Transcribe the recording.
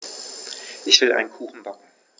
Ich will einen Kuchen backen.